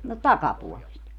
no takapuolesta